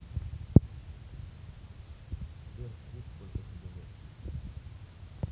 сбер стрит сколько тебе лет